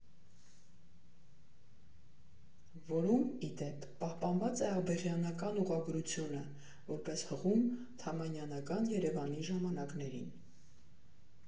Որում, ի դեպ, պահպանված է աբեղյանական ուղղագրությունը, որպես հղում թամանյանական Երևանի ժամանակներին։